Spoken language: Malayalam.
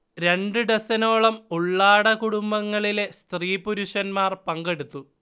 രണ്ടു ഡസനോളം ഉള്ളാട കുടുംബങ്ങളിലെ സ്ത്രീ-പുരുഷന്മാർ പങ്കെടുത്തു